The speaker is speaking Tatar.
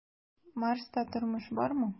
"марста тормыш бармы?"